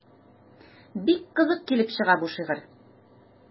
Бик кызык килеп чыга бу шигырь.